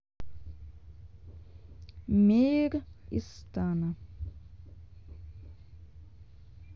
мейр из стана